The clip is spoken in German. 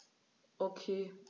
Okay.